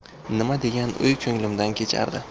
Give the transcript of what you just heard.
nima degan o'y ko'nglimdan kechardi